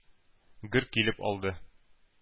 Гөр килеп алды.